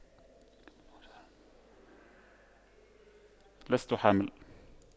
لست حامل